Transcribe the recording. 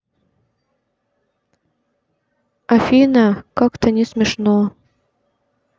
афина как то не смешно